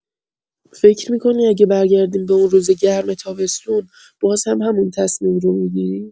فکر می‌کنی اگه برگردیم به اون روز گرم تابستون، باز هم همون تصمیم رو می‌گیری؟